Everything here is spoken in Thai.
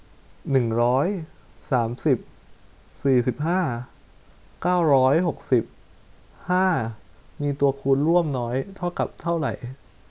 หนึ่งร้อยสามสิบสี่สิบห้าเก้าร้อยหกสิบห้ามีตัวคูณร่วมน้อยเท่ากับเท่าไหร่